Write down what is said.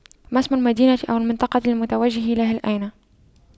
ما اسم المدينة أو المنطقة المتوجه لها الآن